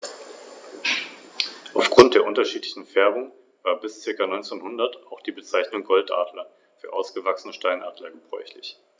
In den wenigen beobachteten Fällen wurden diese großen Beutetiere innerhalb von Sekunden getötet.